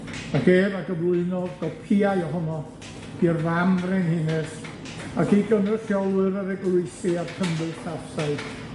Ac ef a gyflwynodd gopïau ohono i'r fam Frenhines ac i gynrychiolwyr yr Eglwysi a'r Cymdeithasau